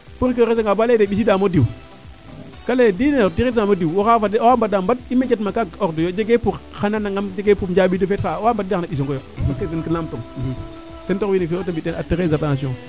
procureeur a xesa nga ba leuye mbisida moo diw te leye fo diw waxa fadi a wa mbada mbad kaaga ordre yoo jege pour xana nangam jege pour njambitv yo o feet xa'a owaa mbadiida xana mbisong parce que den laam tong ten taxu wiin fada mnbi ten tres atention